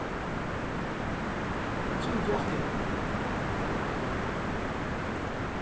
eg trúði tú átti hettar